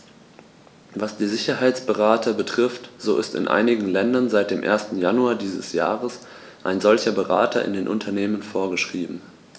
Was die Sicherheitsberater betrifft, so ist in einigen Ländern seit dem 1. Januar dieses Jahres ein solcher Berater in den Unternehmen vorgeschrieben.